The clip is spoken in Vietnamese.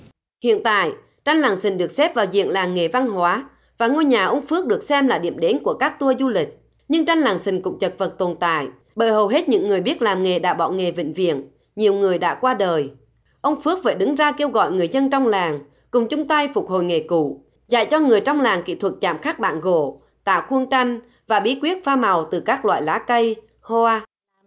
hiện tại tranh làng sình được xếp vào diện làng nghề văn hóa và ngôi nhà ông phước được xem là điểm đến của các tua du lịch nhưng tranh làng sình cũng chật vật tồn tại bởi hầu hết những người biết làm nghề đã bỏ nghề vĩnh viễn nhiều người đã qua đời ông phước phải đứng ra kêu gọi người dân trong làng cùng chung tay phục hồi nghề cũ dạy cho người trong làng kỹ thuật chạm khắc bảng gỗ tạo khuôn tranh và bí quyết pha màu từ các loại lá cây hoa